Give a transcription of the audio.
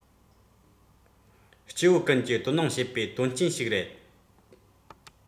སྐྱེ བོ ཀུན གྱིས དོ སྣང བྱེད པའི དོན རྐྱེན ཞིག རེད